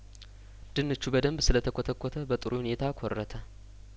ድንቹ በደንብ ስለተኰተኰተ በጥሩ ሁኔታ ኰረተ